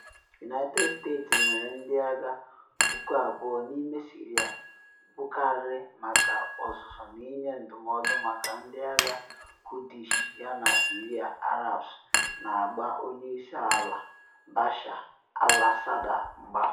United States nwere ndị agha 2,000 n’ime Syria, bụkarị maka ọzụzụ na ịnye ndụmọdụ maka ndị agha Kurdish yana Syrian Arabs na agba Onye Isi Ala Bashar al-Assad mgba.